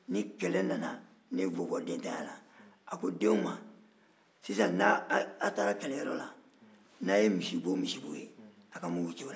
ni kɛlɛ nana ne bɛ bɔ dentigiya la a ko denw ma ni kɛlɛ nana n'a' taara kɛlɛyɔrɔ la a mana misibo o misibo ye a ka mugu ci o la